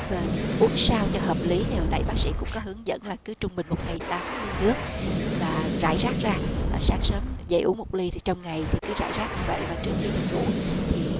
vầng uống sao cho hợp lý thì hồi nãy bác sĩ cũng có hướng dẫn là cứ trung bình một ngày tám ly nước và rải rác ra sáng sớm dậy uống một ly thì trong ngày thì cứ rải rác như vậy và trước khi đi ngủ thì